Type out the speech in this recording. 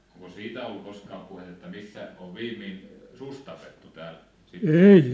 onko siitä ollut koskaan puhetta että missä on viimeinen susi tapettu täällä Sippulassa